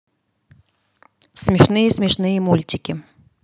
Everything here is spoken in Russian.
смешные смешные мультики